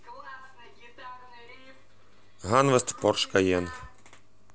ганвест порш каен